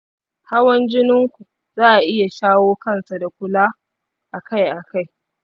hawan jinin ku za'a iya shawo kansa da kula akai akai.